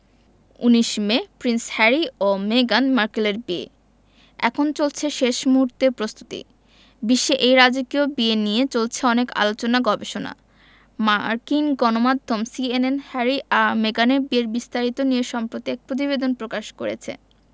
১৯ May Prince Harry ও মেগান মার্কেলের বিয়ে এখন চলছে শেষ মুহূর্তের প্রস্তুতি বিশ্বে এই রাজকীয় বিয়ে নিয়ে চলছে অনেক আলোচনা গবেষণা মার্কিন গণমাধ্যম সিএনএন হ্যারি আর মেগানের বিয়ের বিস্তারিত নিয়ে সম্প্রতি এক প্রতিবেদন প্রকাশ করেছে